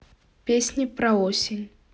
песни про осень